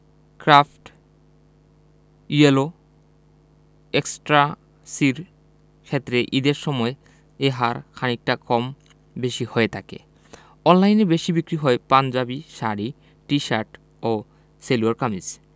craft yellow এক্সট্যাসির ক্ষেত্রে ঈদের সময় এ হার খানিকটা কম বেশি হয়ে থাকে অনলাইনে বেশি বিক্রি হয় পাঞ্জাবি শাড়ি টি শার্ট ও সালোয়ার কামিজ